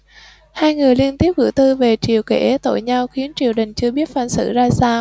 hai người liên tiếp gửi thư về triều kể tội nhau khiến triều đình chưa biết phân xử ra sao